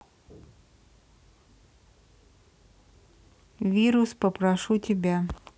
вирус попрошу тебя